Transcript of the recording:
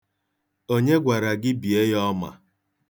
Onye gwara gị bie ya ọma?